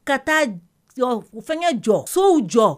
Ka taa ɔ fɛngɛ jɔ, sow jɔ